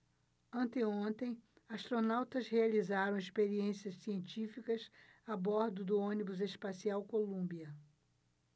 anteontem astronautas realizaram experiências científicas a bordo do ônibus espacial columbia